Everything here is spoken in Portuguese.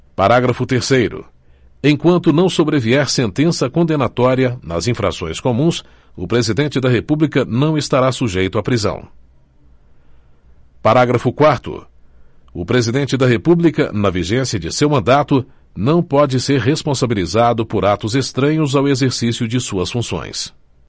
parágrafo terceiro enquanto não sobrevier sentença condenatória nas infrações comuns o presidente da república não estará sujeito a prisão parágrafo quarto o presidente da república na vigência de seu mandato não pode ser responsabilizado por atos estranhos ao exercício de suas funções